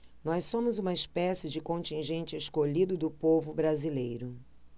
nós somos uma espécie de contingente escolhido do povo brasileiro